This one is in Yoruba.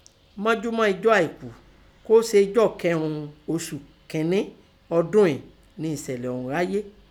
Mọ́júmọ́ ijọ́ Àìkú kóó se ijọ́ kẹrùn ún osù kẹ́ní ọdún ìín nẹ ẹṣẹ̀lẹ̀ ọ̀ún háyé.